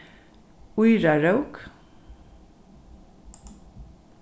írarók